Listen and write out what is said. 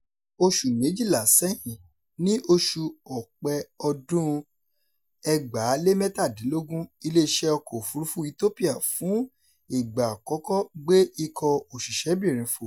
Oṣù méjìlá sẹ́yìn, ní oṣù Ọ̀pẹ ọdún 2017, Ilé-iṣẹ́ Ọkọ̀ òfuurufú Ethiopia fún ìgbà àkókọ́ gbé ikọ̀ òṣìṣẹ́bìnrin fò.